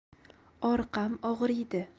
orqam og'riydi